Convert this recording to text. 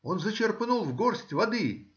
Он зачерпнул в горсть воды